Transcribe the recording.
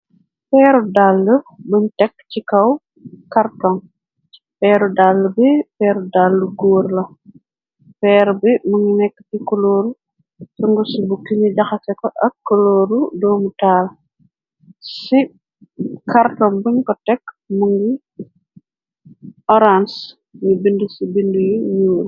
Peeru dall buñu tekk ci kaw cartong. Peeru dall bi peeru dall góor la. Peer bi më ngi nekk ti kulooru sungu si bu ki ñu jaxase ko ak kulooru doomu taal. Ci karton buñ ko tekk më ngi oranc ñu bind ci bindu yi ñuur.